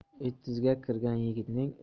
o'ttizga kirgan yigitning